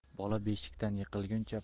bola beshikdan yiqilguncha